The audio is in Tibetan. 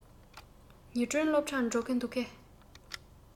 ཉི སྒྲོན སློབ གྲྭར འགྲོ གི འདུག གས